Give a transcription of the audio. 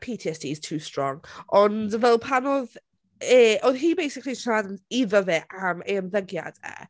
PTSD is too strong, ond fel pan oedd e... oedd hi basically'n siarad iddo fe am ei ymddygiad e...